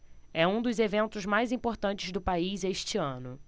é um dos eventos mais importantes do país este ano